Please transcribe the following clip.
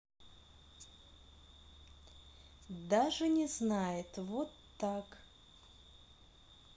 даже не знает вот так